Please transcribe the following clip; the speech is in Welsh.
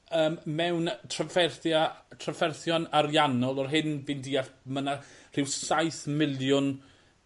yym mewn trafferthie trafferthion ariannol o'r hyn fi'n deall ma' 'na rhyw saith miliwn